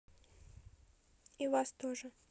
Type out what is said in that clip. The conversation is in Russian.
и вас тоже